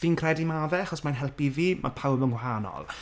Fi'n credu ma' fe, achos mae'n helpu fi, ma' pawb yn wahanol.